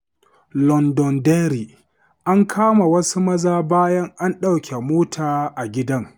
Londonderry: An kama wasu maza bayan an ɗauke mota a gidan